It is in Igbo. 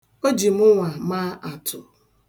O ji mụnwa maa atụ.